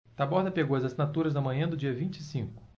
taborda pegou as assinaturas na manhã do dia vinte e cinco